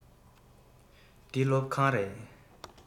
འདི སློབ ཁང རེད